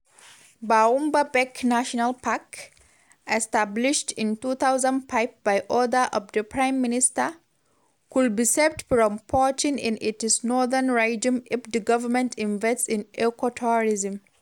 Boumba Bek National Park, established in 2005 by order of the Prime Minister, could be saved from poaching in its northern region if the government invests in ecotourism.